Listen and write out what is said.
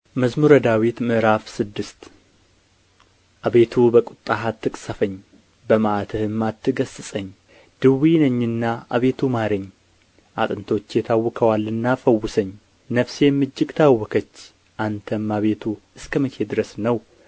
መዝሙር ምዕራፍ ስድስት አቤቱ በቍጣህ አትቅሠፈኝ በመዓትህም አትገሥጸኝ ድውይ ነኝና አቤቱ ማረኝ አጥንቶቼ ታውከዋልና ፈውሰኝ ነፍሴም እጅግ ታወከች አንተም አቤቱ እስከ መቼ ድረስ ነው